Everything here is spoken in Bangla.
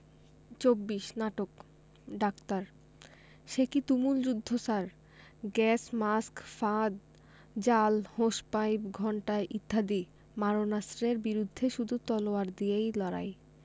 ২৪ নাটক ডাক্তার সেকি তুমুল যুদ্ধ স্যার গ্যাস মাস্ক ফাঁদ জাল হোস পাইপ ঘণ্টা ইত্যাদি মারণাস্ত্রের বিরুদ্ধে শুধু তলোয়ার দিয়েই লড়াই